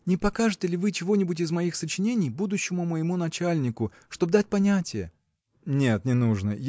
– Не покажете ли вы чего-нибудь из моих сочинений будущему моему начальнику чтоб дать понятие? – Нет, не нужно